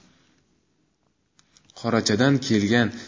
qorachadan kelgan